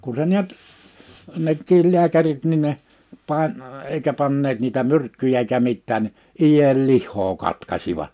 kun se näet nekin lääkärit niin ne - eikä panneet niitä myrkkyjä eikä mitään niin ienlihaa katkaisivat